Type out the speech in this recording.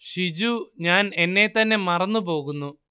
ഷിജു ഞാന്‍ എന്നെ തന്നെ മറന്നു പോകുന്നു